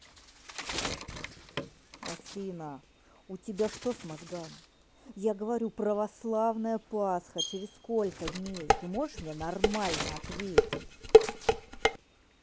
афина у тебя что с мозгами я говорю православная пасха через сколько дней ты можешь мне нормально ответить